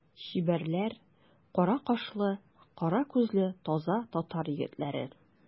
Чибәрләр, кара кашлы, кара күзле таза татар егетләре.